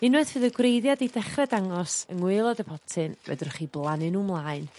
Unwaith fydd y gwreiddie 'di dechre dangos yng ngwaelod y potyn fedrwch chi blanu n'w mlaen.